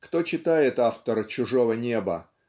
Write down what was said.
Кто читает автора "Чужого неба"